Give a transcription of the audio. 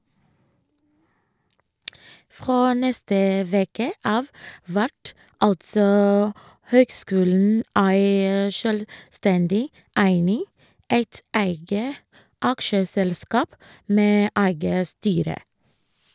Frå neste veke av vert altså høgskulen ei sjølvstendig eining, eit eige aksjeselskap med eige styre.